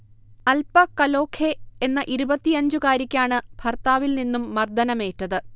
അൽപ കലോഖെ എന്ന ഇരുപത്തിയഞ്ച് കാരിക്കാണ് ഭർത്താവിൽ നിന്നും മർദ്ദനമേറ്റത്